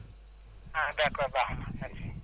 ah d' accord baax na merci